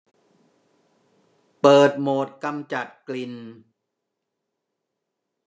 เปิดโหมดกำจัดกลิ่น